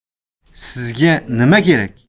sizga nima kerak